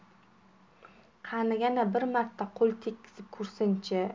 qani yana bir marta qo'l tegizib ko'rsin chi